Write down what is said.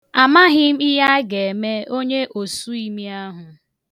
Amaghị m ihe a ga-eme onye osuimi ahụ.